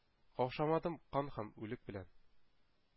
Каушамадым кан һәм үлек белән